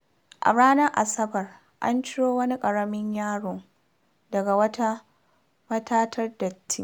A ranar Asabar, an ciro wani ƙaramin yaro daga wata matattar datti.